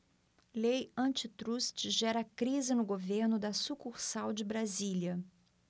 lei antitruste gera crise no governo da sucursal de brasília